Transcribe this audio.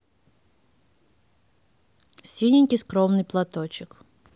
синенький скромный платочек